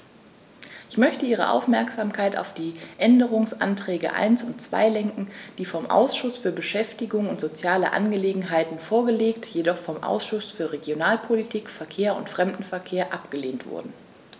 Ich möchte Ihre Aufmerksamkeit auf die Änderungsanträge 1 und 2 lenken, die vom Ausschuss für Beschäftigung und soziale Angelegenheiten vorgelegt, jedoch vom Ausschuss für Regionalpolitik, Verkehr und Fremdenverkehr abgelehnt wurden.